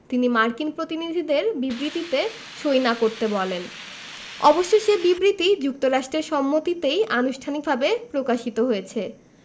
তিনি মার্কিন প্রতিনিধিদের বিবৃতিতে সই না করতে বলেন অবশ্য সে বিবৃতি যুক্তরাষ্ট্রের সম্মতিতেই আনুষ্ঠানিকভাবে প্রকাশিত হয়েছে